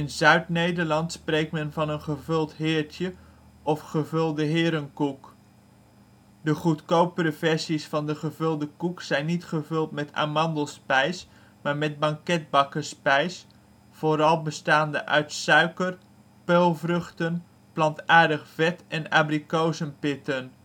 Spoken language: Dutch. Zuid-Nederland spreekt men van een gevuld heertje of gevulde herenkoek. De goedkopere versies van de gevulde koek zijn niet gevuld met amandelspijs, maar met banketbakkersspijs, vooral bestaande uit suiker, peulvruchten, plantaardig vet en abrikozenpitten